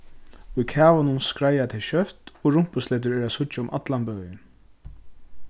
í kavanum skreiða tey skjótt og rumpusletur eru at síggja um allan bøin